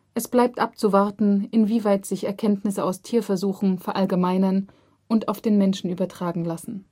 bleibt abzuwarten, inwieweit sich Erkenntnisse aus Tierversuchen verallgemeinern und auf den Menschen übertragen lassen